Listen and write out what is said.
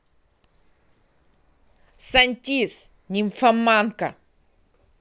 santiz нимфоманка